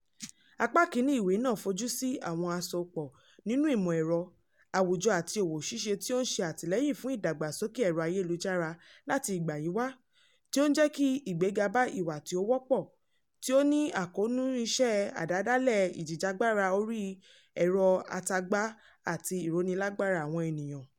Apá Kínní ìwé náà fojú sí àwọn àsopọ̀ nínú ìmọ̀ ẹ̀rọ, àwùjọ àti òwò ṣíṣe tí ó ń ṣe àtìlẹ́yìn fún ìdàgbàsókè ẹ̀rọ ayélujára láti ìgbà yìí wá, tí ó ń jẹ́ kí ìgbéga bá "ìwà tí ó wọ́pọ̀" tí ó ní àkóónú ìṣe àdádáàlẹ̀, ìjìjàgbara orí ẹ̀rọ àtagba àti ìrónilágbara àwọn ènìyàn.